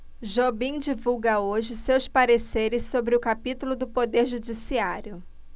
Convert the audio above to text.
jobim divulga hoje seus pareceres sobre o capítulo do poder judiciário